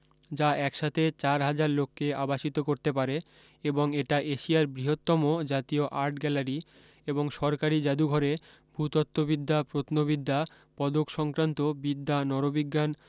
যা একসাথে চার হাজার লোককে আবাসিত করতে পারে এবং এটা এশিয়ার বৃহত্তম জাতীয় আর্ট গ্যালারি এবং সরকারী জাদুঘরে ভূতত্ত্ববিদ্যা প্রত্নবিদ্যা পদক সংক্রান্ত বিদ্যা নরবিজ্ঞান